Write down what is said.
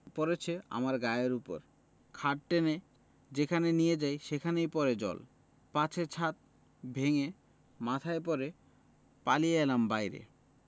পড়েচে আমার গায়ের উপর খাট টেনে যেখানে নিয়ে যাই সেখানেই পড়ে জল পাছে ছাত ভেঙ্গে মাথায় পড়ে পালিয়ে এলাম বাইরে